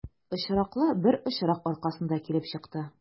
Очраклы бер очрак аркасында килеп чыкты.